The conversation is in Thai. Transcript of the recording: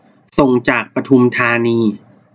ส่งจากปทุมธานี